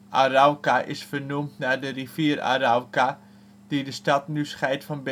Arauca is vernoemd naar de rivier Arauca, die de stad nu scheidt van